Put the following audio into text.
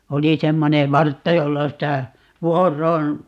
oli semmoinen vartta jolla sitä vuoroon